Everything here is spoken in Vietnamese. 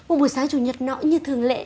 một buổi sáng chủ nhật nọ như thường lệ